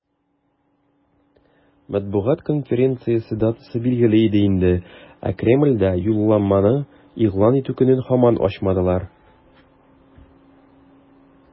Матбугат конференциясе датасы билгеле иде инде, ә Кремльдә юлламаны игълан итү көнен һаман ачмадылар.